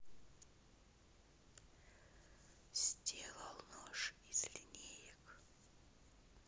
сделал нож из линеек